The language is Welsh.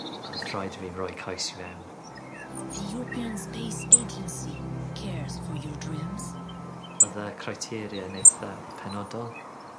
odd rhaid fi roi coes i fewn. The European Space Agency cares for your dreams. Odd y criteria yn eitha penodol.